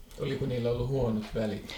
oliko niillä ollut huonot välit